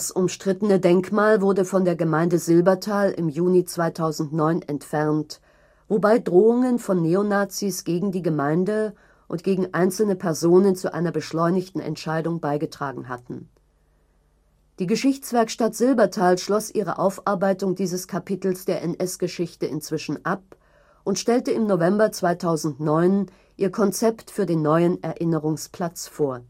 umstrittene Denkmal wurde von der Gemeinde Silbertal im Juni 2009 entfernt, wobei Drohungen von Neonazis gegen die Gemeinde und gegen einzelne Personen zu einer beschleunigten Entscheidung beigetragen hatten. Die Geschichtswerkstatt Silbertal schloss ihre Aufarbeitung dieses Kapitels der NS-Geschichte inzwischen ab und stellte im November 2009 ihr Konzept für den neuen Erinnerungsplatz vor